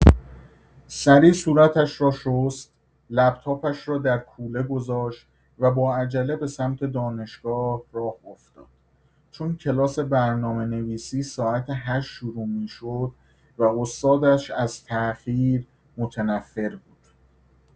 سریع صورتش را شست، لپ‌تاپش را در کوله گذاشت و با عجله به سمت دانشگاه راه افتاد، چون کلاس برنامه‌نویسی ساعت هشت شروع می‌شد و استادش از تأخیر متنفر بود.